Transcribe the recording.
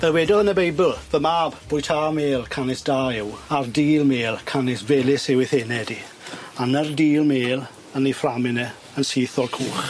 Fel wedodd yn y Beibl fy mab bwytâ mêl canys da yw a'r dîl mêl canys felys yw ei hened 'i A na'r dîl mêl yn 'i fframyn e yn syth o'r cwch.